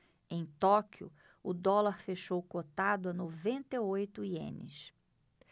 em tóquio o dólar fechou cotado a noventa e oito ienes